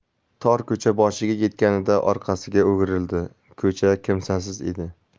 tor ko'cha boshiga yetganida orqasiga o'giril di ko'cha kimsasiz edi